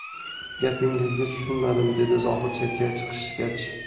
gapingizga tushunmadim dedi zohid chetga chiqishgach